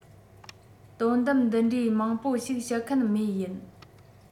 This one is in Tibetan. སྟོང གཏམ འདི འདྲའི མང པོ ཞིག བཤད མཁན མེད ཡིན